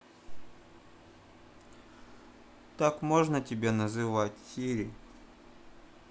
так можно тебя называть сири